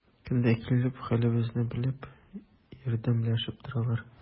Көн дә килеп, хәлебезне белеп, ярдәмләшеп торалар.